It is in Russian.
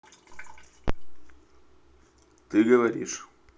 ты говоришь